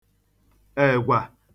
egwà